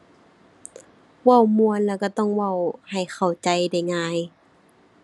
เว้าม่วนแล้วก็ต้องเว้าให้เข้าใจได้ง่าย ⁠